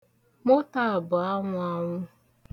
Moto a bụ anwụanwụ.